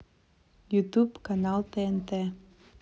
ютуб канал тнт